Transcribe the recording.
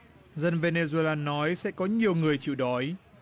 dân vê nê duê la nói sẽ có nhiều người chịu đói